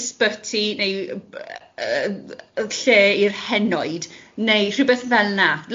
ysbyty, neu yy yy lle i'r henoed, neu rhywbeth fel 'na.